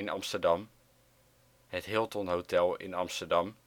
Amsterdam Hilton Hotel in Amsterdam